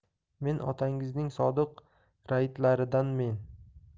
men otangizning sodiq raiyyatlaridanmen